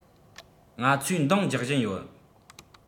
ང ཚོས འདང རྒྱག བཞིན ཡོད